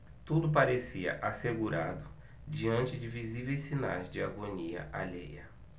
tudo parecia assegurado diante de visíveis sinais de agonia alheia